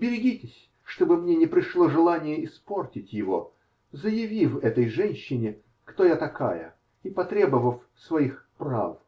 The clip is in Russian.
Берегитесь, чтобы мне не пришло желание испортить его, заявив этой женщине, кто я такая, и потребовав своих прав.